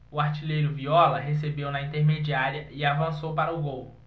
o artilheiro viola recebeu na intermediária e avançou para o gol